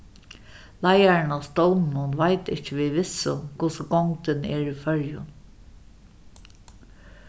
leiðarin á stovninum veit ikki við vissu hvussu gongdin er í føroyum